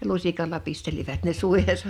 ja lusikalla pistelivät ne suihinsa